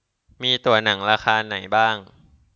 มีตั๋วหนังราคาไหนบ้าง